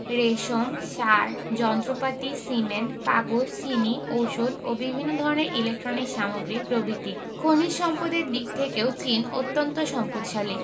রেশম সার যন্ত্রপাতি সিমেন্ট কাগজ চিনি ঔষধ ও বিভিন্ন ধরনের ইলেকট্রনিক্স সামগ্রী প্রভ্রিতি খনিজ সম্পদের দিক থেকেও চীন অত্যান্ত সম্পদশালী